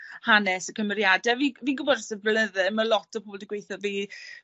hanes y cymeriade a fi fi'n gwbod dros y blynydde ma' lot o pobol 'di gweutho fi